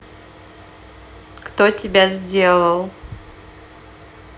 кто тебя сделал